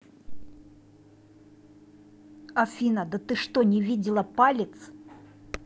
афина да ты что не видела палец